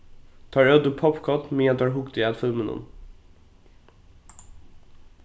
teir ótu poppkorn meðan teir hugdu at filminum